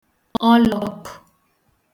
ọlọ̄kpụ̀